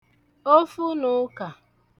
ofunụ̀ụkà